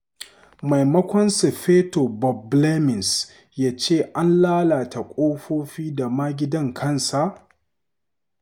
Mataimakin Sufeto Bob Blemmings ya ce an lalata ƙofofi da ma gidan kansa.